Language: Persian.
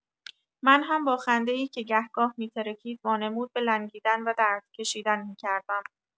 من هم با خنده‌ای که گه‌گاه می‌ترکید وانمود به لنگیدن و درد کشیدن می‌کردم.